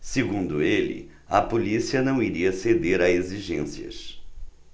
segundo ele a polícia não iria ceder a exigências